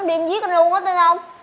đi em giết anh luôn á tin hông